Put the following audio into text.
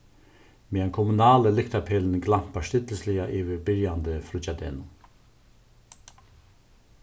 meðan kommunali lyktarpelin glampar stillisliga yvir byrjandi fríggjadegnum